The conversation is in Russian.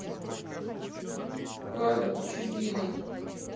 павел чудинов